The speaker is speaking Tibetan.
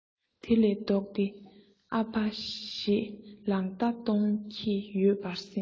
དེ ལས ལྡོག སྟེ ཨ ཕ ཞེས ལག བརྡ གཏོང གི ཡོད པར སེམས